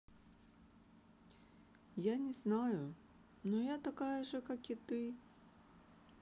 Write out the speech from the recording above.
я не знаю но я такая же как и ты